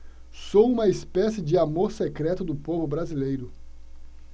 sou uma espécie de amor secreto do povo brasileiro